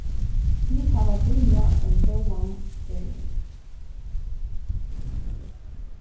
tit hava byrjað ein góðan gerning